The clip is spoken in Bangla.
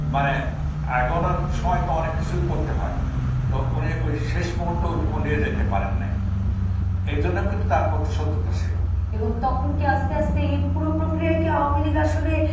মানে আগানোর সময় তো অনেক কিছুই করতে হয় তো উনি শেষ মুহূর্তে ওইটুকু নিয়ে যেতে পারেন নাই এজন্য কিন্তু তার প্রতি শত্রুতা ছিল এবং তখন কি আস্তে আস্তে এই পুরো প্রক্রিয়ায় আওয়ামী লীগ আসলে